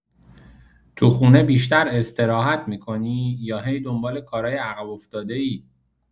تو خونه بیشتر استراحت می‌کنی یا هی دنبال کارای عقب‌افتاده‌ای؟